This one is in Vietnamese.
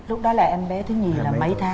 lúc đó là em bé thứ nhì là mấy tháng